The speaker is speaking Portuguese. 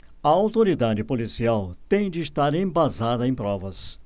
a autoridade policial tem de estar embasada em provas